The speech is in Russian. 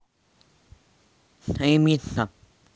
стремится